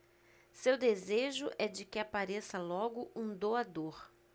seu desejo é de que apareça logo um doador